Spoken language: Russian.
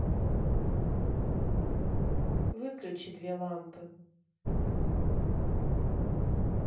выключи две лампы